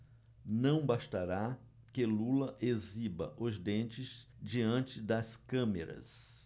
não bastará que lula exiba os dentes diante das câmeras